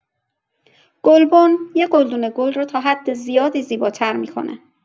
گلبن یه گلدون گل رو تا حد زیادی زیباتر می‌کنه.